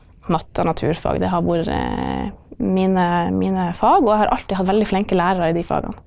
matte og naturfag det har vært mine mine fag, og jeg har alltid hatt veldig flinke lærere i de fagene.